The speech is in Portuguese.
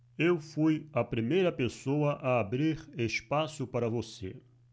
eu fui a primeira pessoa a abrir espaço para você